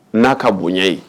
N'a ka bonya ye